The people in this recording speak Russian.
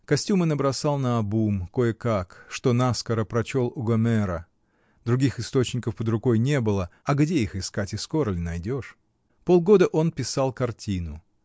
Костюмы набросал наобум, кое-как, что наскоро прочел у Гомера: других источников под рукой не было, а где их искать и скоро ли найдешь? Полгода он писал картину.